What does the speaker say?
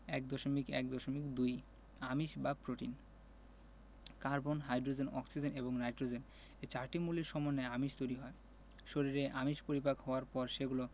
১.১.২ আমিষ বা protein carbon hydrogen oxygen এবং নাইট্রোজেন এ চারটি মৌলের সমন্বয়ে আমিষ তৈরি হয় শরীরে আমিষ পরিপাক হওয়ার পর সেগুলো